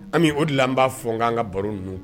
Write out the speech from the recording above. An o laba fɔ'an ka baro nunu